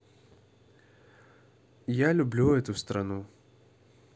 я люблю эту страну